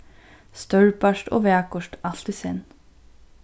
stórbært og vakurt alt í senn